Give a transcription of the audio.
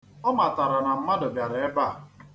Ọ matara na mmadụ bịara ebe a.